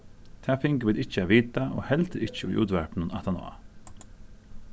tað fingu vit ikki at vita og heldur ikki í útvarpinum aftaná